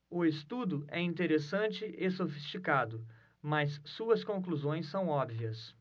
o estudo é interessante e sofisticado mas suas conclusões são óbvias